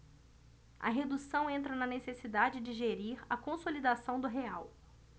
a redução entra na necessidade de gerir a consolidação do real